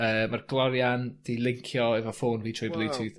yy ma'r glorian 'di lincio efo ffôn fi trwy... Waw. ...BlueTooth